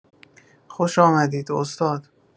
خوش آمدید استاد